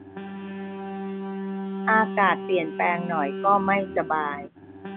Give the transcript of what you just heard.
อากาศเปลี่ยนแปลงหน่อยก็ไม่สบาย